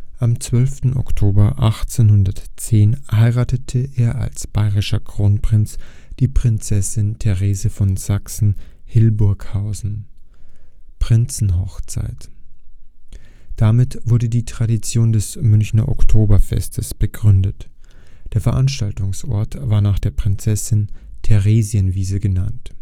Am 12. Oktober 1810 heiratete er als bayerischer Kronprinz die Prinzessin Therese von Sachsen-Hildburghausen (Prinzenhochzeit). Damit wurde die Tradition des Münchner Oktoberfestes begründet. Der Veranstaltungsort wird nach der Prinzessin Theresienwiese genannt